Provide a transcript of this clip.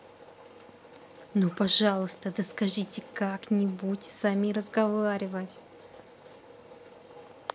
ну пожалуйста да скажите как нибудь сами разговаривать